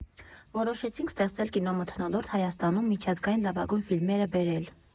Որոշեցինք ստեղծել կինոմթնոլորտ Հայաստանում, միջազգային լավագույն ֆիլմերը բերել։